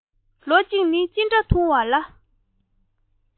ལོ གཅིག ནི ཅི འདྲ ཐུང བ ལ